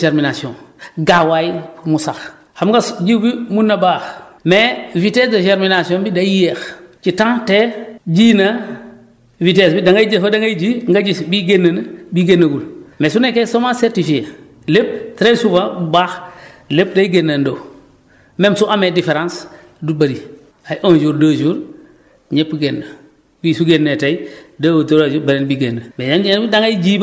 am na tam vitesse de germination gaawaay mu sax xam nga jiw bi mën na baax mais vitesse de germination bi day yéex ci temps te ji na vitesse bi da ngay jëfë da ngay ji nga gis bii génn na bii génnagul mais su nekkee semence certifiée lépp très souvent baax lépp day génneendoo même su amee différence du bëri ay 1 jour 2 jour ñëpp génn kii su génnee tey 2 ou 3 jour beneen bi génn